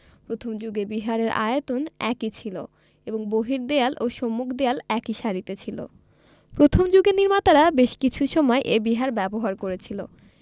প্রথম যুগে বিহারের আয়তন একই ছিল এবং বহির্দেয়াল ও সম্মুখ দেয়াল একই সারিতে ছিল প্রথম যুগের নির্মাতারা বেশ কিছু সময় এ বিহার ব্যবহার করেছিল